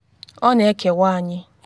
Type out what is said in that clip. Ọ na ekewa anyị.